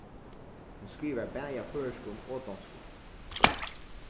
hon skrivar bæði á føroyskum og donskum